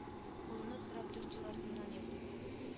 Кулымны сорап дүрт ел артымнан йөрде